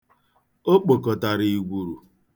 O kpokọtara igwuru.